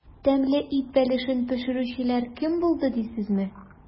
Тәмле ит бәлешен пешерүчеләр кем булды дисезме?